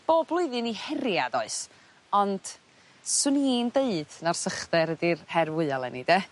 bob blwyddyn 'i heria' does? ond 'swn i'n deud na'r sychder ydi'r her fwya leni 'de?